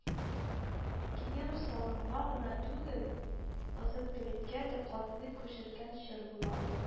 Кием-салымга гына түгел, азыктөлеккә дә кытлык кичергән чор була ул